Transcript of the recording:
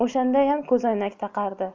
o'shandayam ko'zoynak taqardi